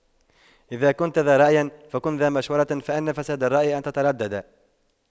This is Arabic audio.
إذا كنتَ ذا رأيٍ فكن ذا مشورة فإن فساد الرأي أن تترددا